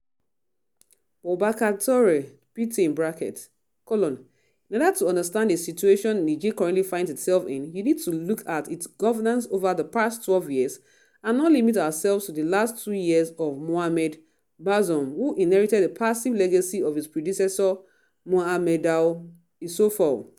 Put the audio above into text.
Boubacar Touré (BT): In order to understand the situation Niger currently finds itself in, you need to look at its governance over the past 12 years, and not limit ourselves to the last two years of Mohamed Bazoum, who inherited the passive legacy of his predecessor Mahamadou Issoufou.